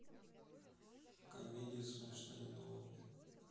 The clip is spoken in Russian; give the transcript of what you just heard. комедии смешные новые